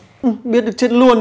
ư biết được chết luôn đi